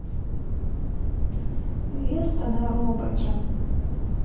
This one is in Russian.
веста на роботе